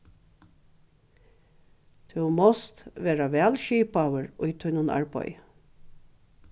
tú mást vera væl skipaður í tínum arbeiði